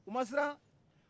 u ma siran